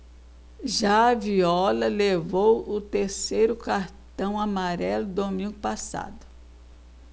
já viola levou o terceiro cartão amarelo domingo passado